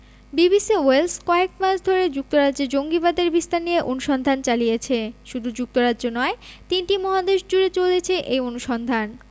BBC Wales কয়েক মাস ধরে যুক্তরাজ্যে জঙ্গিবাদের বিস্তার নিয়ে অনুসন্ধান চালিয়েছে শুধু যুক্তরাজ্য নয় তিনটি মহাদেশজুড়ে চলেছে এই অনুসন্ধান